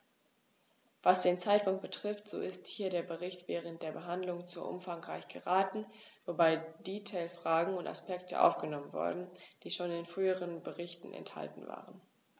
Was den Zeitpunkt betrifft, so ist hier der Bericht während der Behandlung zu umfangreich geraten, wobei Detailfragen und Aspekte aufgenommen wurden, die schon in früheren Berichten enthalten waren.